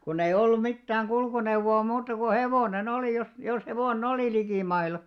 kun ei ollut mitään kulkuneuvoa muuta kuin hevonen oli jos jos hevonen oli likimailla